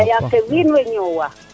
leya ke wiin we ñoowa